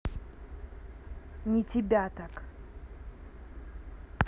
не тебя так